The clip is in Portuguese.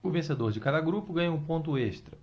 o vencedor de cada grupo ganha um ponto extra